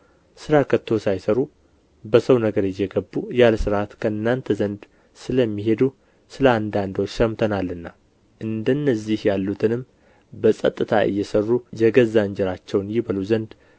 ሥራ ከቶ ሳይሠሩ በሰው ነገር እየገቡ ያለ ሥርዓት ከእናንተ ዘንድ ስለሚሄዱ ስለ አንዳንዶች ሰምተናልና እንደነዚህ ያሉትንም በጸጥታ እየሠሩ የገዛ እንጀራቸውን ይበሉ ዘንድ